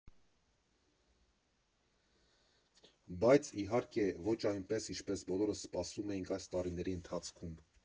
Բայց, իհարկե, ոչ այնպես, ինչպես բոլորս սպասում էինք այս տարիների ընթացքում։